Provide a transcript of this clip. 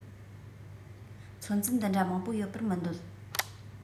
ཚོད འཛིན འདི འདྲ མང བོ ཡོད པར མི འདོད